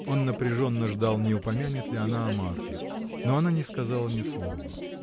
Он напряженно ждал, не упомянет ли она о Марке. Но она не сказала ни слова.